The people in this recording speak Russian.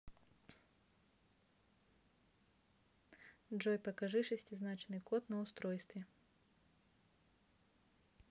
джой покажи шестизначный код на устройстве